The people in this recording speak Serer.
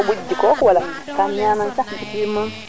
so nuun na ŋoxan nuun rewe ndam machine ŋoxan